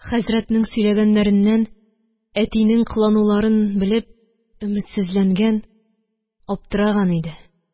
Хәзрәтнең сөйләгәннәреннән әтинең кылынуларын белеп өметсезләнгән, аптыраган иде.